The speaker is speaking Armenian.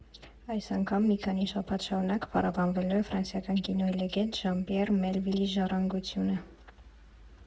Այս անգամ մի քանի շաբաթ շարունակ փառաբանվելու է ֆրանսիական կինոյի լեգենդ Ժան֊Պյեր Մելվիլի ժառանգությունը։